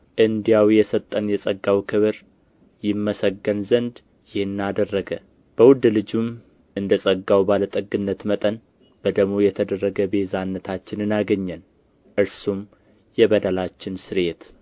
እንዲያው የሰጠን የጸጋው ክብር ይመሰገን ዘንድ ይህን አደረገ በውድ ልጁም እንደ ጸጋው ባለ ጠግነት መጠን በደሙ የተደረገ ቤዛነታችንን አገኘን እርሱም የበደላችን ስርየት